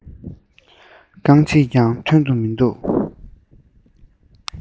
རྐང རྗེས ཀྱང མཐོང དུ མི འདུག